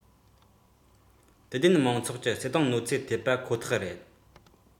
བྱ རྒྱུ དེ གཙོ གནད ཡིན པ ཁོ ཐག རེད